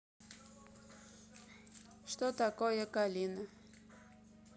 что такое калина